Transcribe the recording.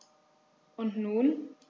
Und nun?